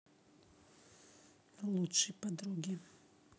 лучшие подруги